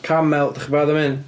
Camel... Dach chi'n barod am hyn?